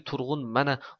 turg'un mana